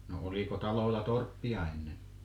no oliko taloilla torppia ennen